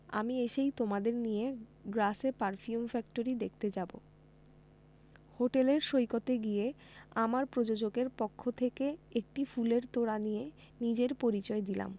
আমি এসেই তোমাদের নিয়ে গ্রাসে পারফিউম ফ্যাক্টরি দেখতে যাবো হোটেলের সৈকতে গিয়ে আমার প্রযোজকের পক্ষ থেকে একটি ফুলের তোড়া দিয়ে নিজের পরিচয় দিলাম